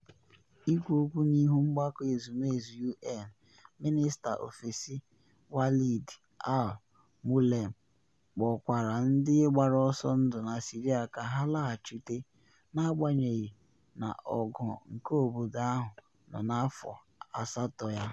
Ikwu okwu n’ihu Mgbakọ Ezumezu UN, Minista Ofesi Walid al-Moualem kpọkwara ndị gbara ọsọ ndụ na Syria ka ha laghachite, agbanyeghị na ọgụ nke obodo ahụ nọ n’afọ asatọ ya.